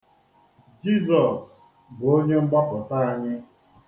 Jizọs bụ onye mgbapụta anyị.